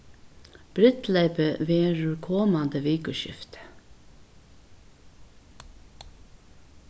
brúdleypið verður komandi vikuskifti